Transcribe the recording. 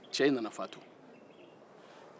cɛ in nana fatu